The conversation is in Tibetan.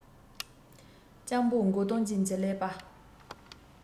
སྤྱང པོ མགོ སྟོང ཅན གྱི ཀླད པ